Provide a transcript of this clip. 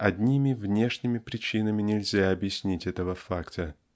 Одними внешними причинами нельзя объяснить этого факта.